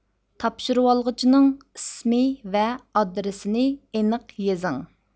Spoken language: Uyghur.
تاپشۇرۇۋالغۇچىنىڭ ئىسمى ۋە ئادرېسىنى ئېنىق يېزىڭ